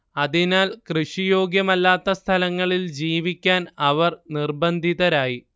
അതിനാൽ കൃഷി യോഗ്യമല്ലാത്ത സ്ഥലങ്ങളിൽ ജീവിക്കാൻ അവർ നിർബന്ധിതരായി